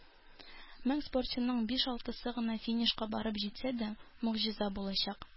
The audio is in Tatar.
Мең спортчының биш-алтысы гына финишка барып җитсә дә, могҗиза булачак.